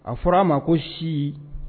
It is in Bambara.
A fɔra a ma ko si